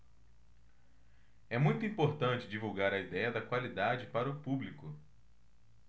é muito importante divulgar a idéia da qualidade para o público